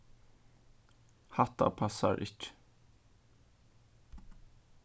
hatta passar ikki